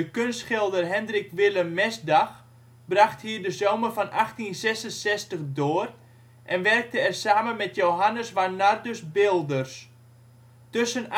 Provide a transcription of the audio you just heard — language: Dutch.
kunstschilder Hendrik Willem Mesdag bracht hier de zomer van 1866 door, en werkte er samen met Johannes Warnardus Bilders. Tussen